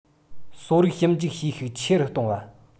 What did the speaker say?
གསོ རིག ཞིབ འཇུག བྱེད ཤུགས ཆེ རུ གཏོང བ